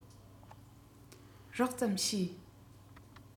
རགས ཙམ ཤེས